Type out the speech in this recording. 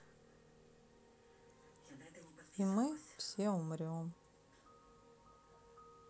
и мы все умрем